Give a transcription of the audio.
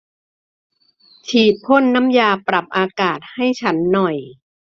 ฉีดพ่นน้ำยาปรับอากาศให้ฉันหน่อย